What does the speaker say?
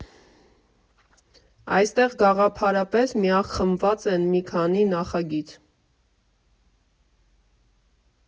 Այստեղ գաղափարապես միախմբված է մի քանի նախագիծ։